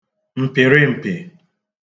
m̀pị̀rịm̀pị̀